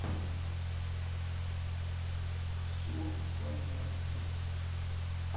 все понятно